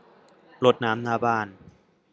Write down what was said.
รดน้ำหน้าบ้าน